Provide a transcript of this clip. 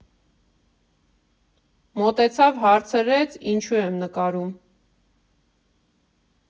Մոտեցավ, հարցրեց՝ ինչու եմ նկարում.